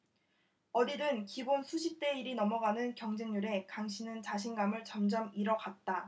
어디든 기본 수십대 일 이 넘어가는 경쟁률에 강 씨는 자신감을 점점 잃어 갔다